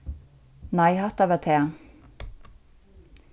nei hatta var tað